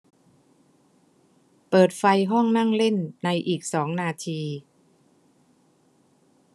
เปิดไฟห้องนั่งเล่นในอีกสองนาที